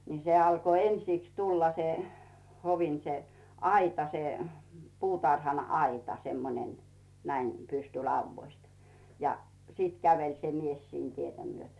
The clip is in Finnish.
niin se alkoi ensiksi tulla se hovin se aita se puutarhanaita semmoinen näin pystylaudoista ja sitten käveli se mies siinä tietä myöten